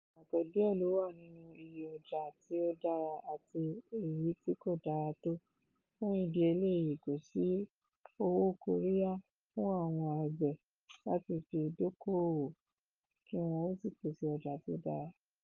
Ìyàtọ̀ díẹ̀ ló wà nínú ìyè ọjà tí ó dára àti èyí tí kò dára tó, fún ìdí eléyìí kò sì owó kóríyá fún àwọn àgbẹ̀ láti fi dókoòwò kí wọn ó sì pèsè ọjà tí ó dára.